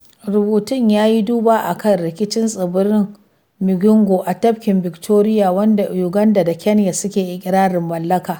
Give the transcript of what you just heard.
Rubutun ya yi duba a kan rikicin tsibirin Migingo a tafkin Vvictoria, wanda Uganda da Kenya suke iƙirarin mallaka.